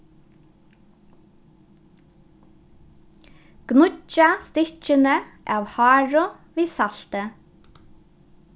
gníggja stykkini av haru við salti